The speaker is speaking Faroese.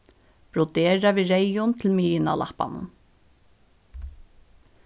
brodera við reyðum til miðjuna á lappanum